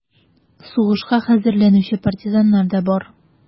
Сугышка хәзерләнүче партизаннар да бар: